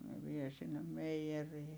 ne vie sinne meijeriin